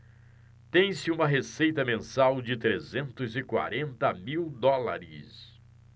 tem-se uma receita mensal de trezentos e quarenta mil dólares